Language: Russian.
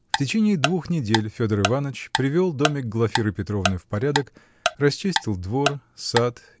В течение двух недель Федор Иваныч привел домик Глафиры Петровны в порядок, расчистил двор, сад